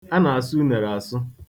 Ana-asụ unere asụ.